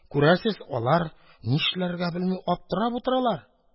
Күрәсез, алар нишләргә белми аптырап утыралар.